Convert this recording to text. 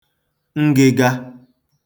ngị̄gā